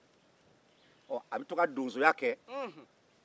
a bɛ to ka donsoya kɛ